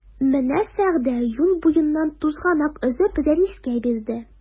Менә Сәгъдә юл буеннан тузганак өзеп Рәнискә бирде.